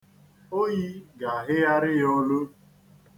Oyi a ga-ahịgharị ya olu.